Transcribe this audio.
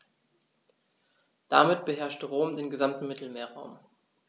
Damit beherrschte Rom den gesamten Mittelmeerraum.